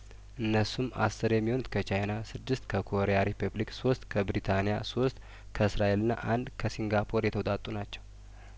እነሱም አስር የሚሆኑት ከቻይና ስድስት ከኮሪያ ሪፐብሊክ ሶስት ከብሪታንያ ሶስት ከእስራኤልና አንድ ከሲንጋፖር የተውጣጡ ናቸው